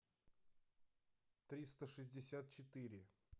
триста шестьдесят четыре